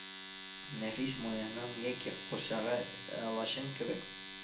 Нәфис муенын яки карчыга, лачын кебек